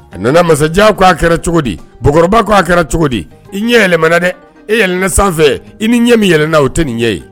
A nana masajan ka kɛra cogo di ? Kɔrɔba la kɛra cogo di ? I ɲɛ yɛlɛmana dɛ. E yɛlɛ na sanfɛ i ni ɲɛ mi yɛlɛna o tɛ nin ɲɛ ye.